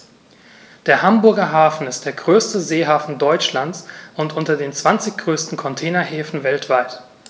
Der Hamburger Hafen ist der größte Seehafen Deutschlands und unter den zwanzig größten Containerhäfen weltweit.